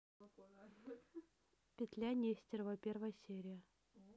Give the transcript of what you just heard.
петля нестерова первая серия